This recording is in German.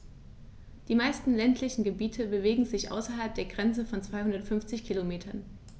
Die meisten ländlichen Gebiete bewegen sich außerhalb der Grenze von 250 Kilometern.